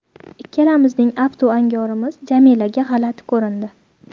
ikkalamizning aftu angorimiz jamilaga g'alati ko'rindi